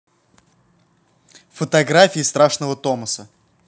фотографии страшного томаса